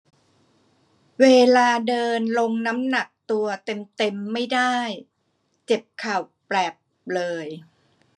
เวลาเดินลงน้ำหนักตัวเต็มเต็มไม่ได้เจ็บเข่าแปลบเลย